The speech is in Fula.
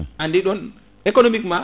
andi ɗum économiquement